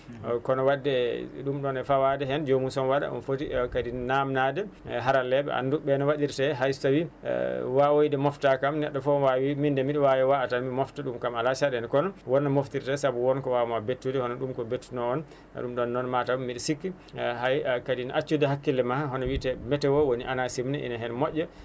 kono wadde ɗum ɗon e fawade heen jomum sene waɗa omo footi kadi namdade haralleɓe anduɓe no waɗirte hayso tawi wawoyde mofta kam neɗɗo foof wawi wiide min de mbiɗo wawi wa tan mofta ɗum kam ala caɗele kono wonno moftirte saabu wonko wawma bettude kono ɗum ko bettuno on ɗum ɗon noon mataw mbiɗa sikki hay kadine accude hakkille ma hono wiite météo woni ANACIM ine heen moƴƴa